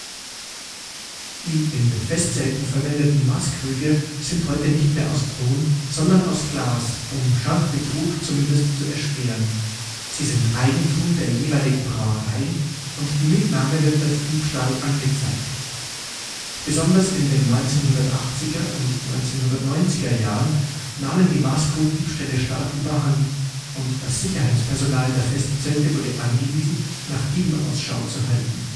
Die in den Festzelten verwendeten Maßkrüge sind heute nicht mehr aus Ton, sondern aus Glas, um Schankbetrug zumindest zu erschweren. Sie sind Eigentum der jeweiligen Brauereien und die Mitnahme wird als Diebstahl angezeigt. Besonders in den 1980er - und 1990er-Jahren nahmen die Maßkrugdiebstähle stark überhand und das Sicherheitspersonal der Festzelte wurde angewiesen, nach Dieben Ausschau zu halten